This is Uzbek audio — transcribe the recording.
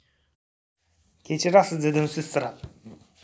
kechirasiz dedim sizsirab